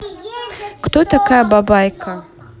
кто такая бабайка